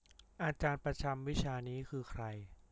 อาจารย์ประจำวิชานี้คือใคร